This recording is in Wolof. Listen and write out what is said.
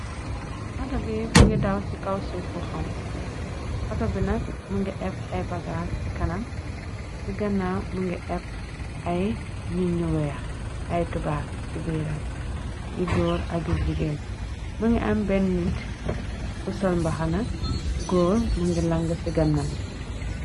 Otu bi më ngi daw ci kaw suff bu xonko otu bi nag më ngi épp ay bagaar ci kanam ci ganaw më ngi épp ay neet yu weex ay toubab ci biram yu góor ak yu jigéen më ngi am benn nit ku sol mbaxana góor mu ngi lage ci ganaw.